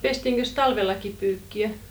no pestiinkös talvellakin pyykkiä